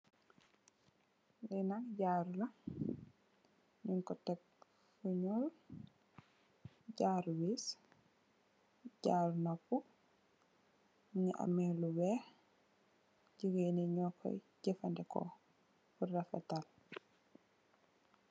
Li nak jaaro la nung ko tekk fu ñuul. Jaaro wiiss, jaaro nopu. Mungi ameh lu weeh, jigéen yi nyo koy jafadeko purr rafetal.